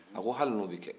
a ko hali n'o bɛ kɛ